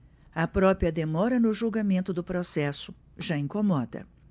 a própria demora no julgamento do processo já incomoda